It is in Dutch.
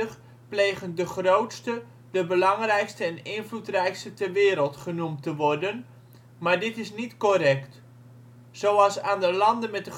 G20 plegen ' de grootste, de belangrijkste en invloedrijkste ter wereld ' genoemd te worden, maar dit is niet correct. Zoals aan de landen met